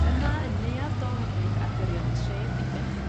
Yma yn neuaf Dol hyfryd ar gyrion tref Dimbych